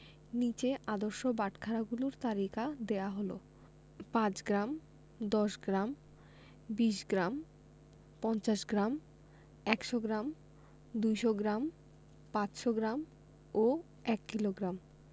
নিচে আদর্শ বাটখারাগুলোর তালিকা দেয়া হলঃ ৫ গ্রাম ১০গ্ৰাম ২০ gram ৫০ gram ১০০ gram ২০০ gram ৫০০ gram ও ১ কিলোগ্রাম